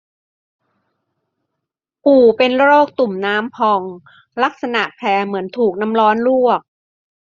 ปู่เป็นโรคตุ่มน้ำพองลักษณะแผลเหมือนถูกน้ำร้อนลวก